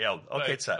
Iawn ocê ta.